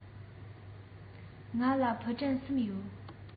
ང ལ ཕུ འདྲེན གསུམ ཡོད